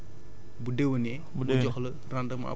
mieux vaut nga noppal ko bu déwénee